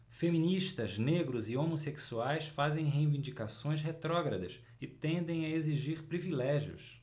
feministas negros e homossexuais fazem reivindicações retrógradas e tendem a exigir privilégios